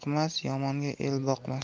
yomonga el boqmas